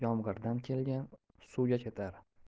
yomg'irdan kelgan suvga ketar